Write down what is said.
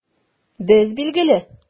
Без, билгеле!